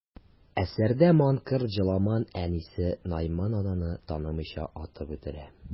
Әсәрдә манкорт Җоламан әнисе Найман ананы танымыйча, атып үтерә.